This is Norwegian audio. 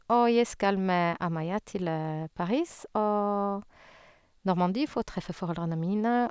Og jeg skal med Amaya til Paris og Normandie for å treffe foreldrene mine.